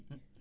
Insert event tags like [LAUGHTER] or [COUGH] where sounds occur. [HESITATION]